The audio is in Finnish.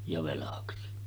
ja velaksi